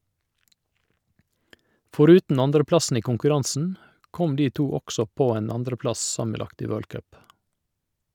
Foruten andreplassen i konkurransen, kom de to også på en andreplass sammenlagt i world cup.